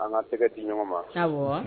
An ka tɛgɛ di ɲɔgɔn ma